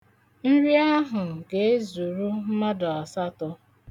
Nri ahụ ga-ezuru mmadụ asatọ.